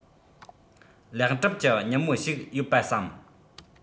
ལེགས གྲུབ གྱི ཉིན མོ ཞིག ཡོད པ བསམ